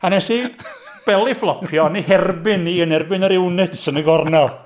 A wnes i belifflopio, yn ei herbyn hi yn erbyn yr units yn y gornel.